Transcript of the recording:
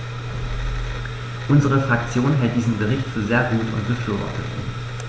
Unsere Fraktion hält diesen Bericht für sehr gut und befürwortet ihn.